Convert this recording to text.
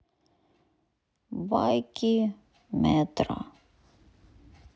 байки мэтра